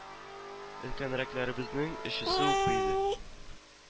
Өлкәнрәкләребезнең өчесе укый иде